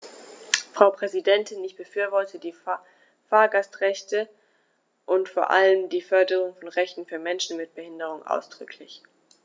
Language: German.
Frau Präsidentin, ich befürworte die Fahrgastrechte und vor allem die Förderung von Rechten für Menschen mit Behinderung ausdrücklich.